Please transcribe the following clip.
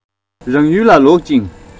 རང ཡུལ ལ ལོག ཅིང